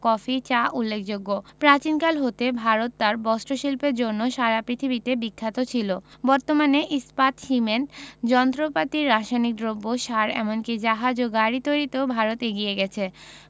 coffee চা উল্লেখযোগ্যপ্রাচীনকাল হতে ভারত তার বস্ত্রশিল্পের জন্য সারা পৃথিবীতে বিখ্যাত ছিল বর্তমানে ইস্পাত সিমেন্ট যন্ত্রপাতি রাসায়নিক দ্রব্য সার এমন কি জাহাজ ও গাড়ি তৈরিতেও ভারত এগিয়ে গেছে